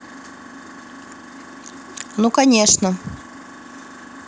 ну конечно